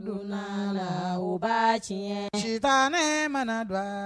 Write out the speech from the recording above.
Donlaba tiɲɛtan ne mana don